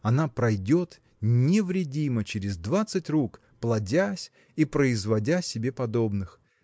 она пройдет невредимо через двадцать рук плодясь и производя себе подобных.